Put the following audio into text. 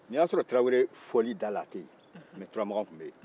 nin y'a sɔrɔ tarawele fɔli da la tun tɛ yen ka turamakan tun bɛ yen